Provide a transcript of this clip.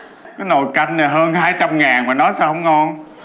cái nồi canh này hơn hai trăm ngàn mà nói sao không ngon